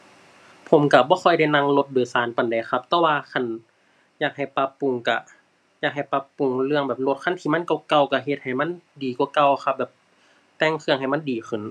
ผมก็บ่ค่อยได้นั่งรถโดยสารปานใดครับ แต่ว่าคันอยากให้ปรับปรุง ก็อยากให้ปรับปรุงเรื่องแบบรถคันที่มันเก่าเก่าก็เฮ็ดให้มันดีกว่าเก่าครับ แบบแต่งเครื่องให้มันดีขึ้น